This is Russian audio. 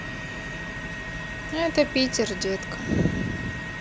это питер детка